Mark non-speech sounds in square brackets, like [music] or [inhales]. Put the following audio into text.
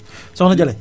[inhales] soxna Jalle